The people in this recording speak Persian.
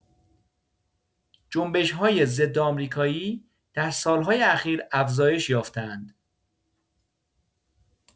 جنبش‌های ضدآمریکایی در سال‌های اخیر افزایش یافته‌اند.